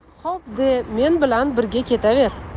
xo'p de men bilan birga ketaver